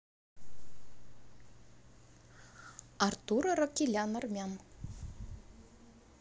артур аракелян армян